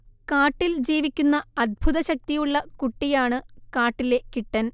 കാട്ടിൽ ജീവിക്കുന്ന അത്ഭുത ശക്തിയുള്ള കുട്ടിയാണ് കാട്ടിലെ കിട്ടൻ